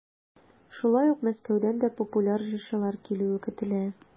Шулай ук Мәскәүдән дә популяр җырчылар килүе көтелә.